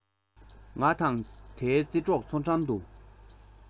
ང དང དའི རྩེ གྲོགས འཚོ གྲམ དུ